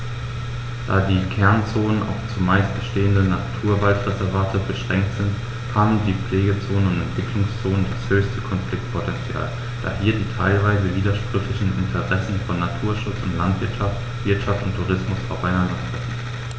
Da die Kernzonen auf – zumeist bestehende – Naturwaldreservate beschränkt sind, haben die Pflegezonen und Entwicklungszonen das höchste Konfliktpotential, da hier die teilweise widersprüchlichen Interessen von Naturschutz und Landwirtschaft, Wirtschaft und Tourismus aufeinandertreffen.